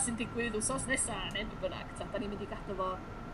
sy'n digwydd wsos nesa ne' be' bynnag t'o' 'dan ni'n mynd i gadw fo